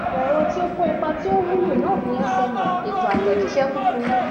Ìmọ̀-ẹ̀rọ tí ó kò ipa tí ó wúlò náà ni SMS (Ètò Àtẹ̀jíṣẹ́ Kúkúrú).